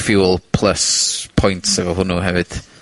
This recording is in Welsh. ...Fuel plus points efo hwnnw hefyd.